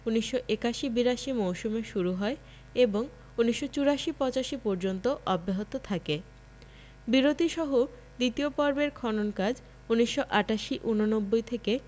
১৯৮১ ৮২ মৌসুমে শুরু হয় এবং ১৯৮৪ ৮৫ পর্যন্ত অব্যাহত থাকে বিরতিসহ দ্বিতীয় পর্বের খনন কাজ ১৯৮৮ ৮৯ থেকে